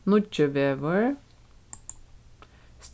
nýggivegur